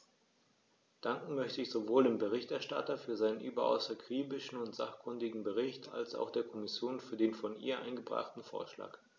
Danken möchte ich sowohl dem Berichterstatter für seinen überaus akribischen und sachkundigen Bericht als auch der Kommission für den von ihr eingebrachten Vorschlag.